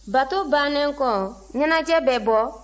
bato bannen kɔ ɲɛnajɛ bɛ bɔ